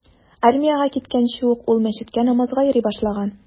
Армиягә киткәнче ук ул мәчеткә намазга йөри башлаган.